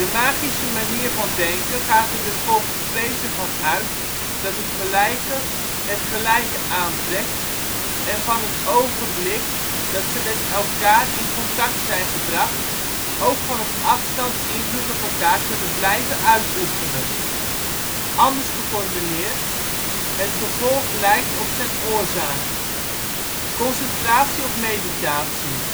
magische manier van denken gaat er dus volgens Frazer van uit dat het ' gelijke het gelijke aantrekt ' en van het ogenblik dat ze met elkaar in contact zijn gebracht ook van op afstand invloed op elkaar kunnen blijven uitoefenen. Anders geformuleerd: het gevolg lijkt op zijn oorzaak. concentratie of meditatie